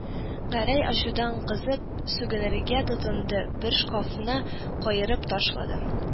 Гәрәй ачудан кызып, сүгенергә тотынды, бер шкафны каерып ташлады